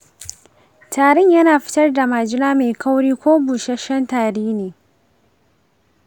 tarin yana fitar da majina mai kauri ko busasshan tari ne?